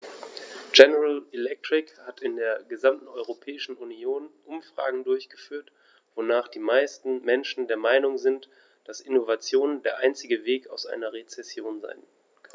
General Electric hat in der gesamten Europäischen Union Umfragen durchgeführt, wonach die meisten Menschen der Meinung sind, dass Innovation der einzige Weg aus einer Rezession ist.